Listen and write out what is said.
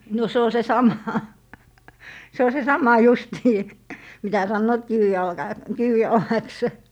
no se on se sama se on se sama justiin mitä sanovat - kivijalaksi